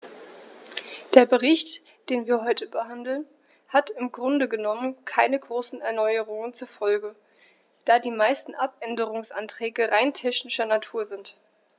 Der Bericht, den wir heute behandeln, hat im Grunde genommen keine großen Erneuerungen zur Folge, da die meisten Abänderungsanträge rein technischer Natur sind.